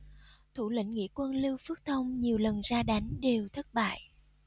thủ lĩnh nghĩa quân lưu phúc thông nhiều lần ra đánh đều thất bại